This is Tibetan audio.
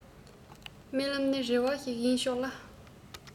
རྨི ལམ ནི རེ བ ཞིག ཡིན ཆོག ལ